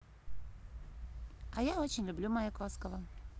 а я очень люблю маяковского